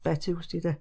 Bet Huws 'di de.